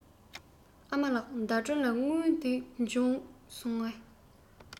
ཨ མ ལགས ཟླ སྒྲོན ལ དངུལ དེ བྱུང སོང ངས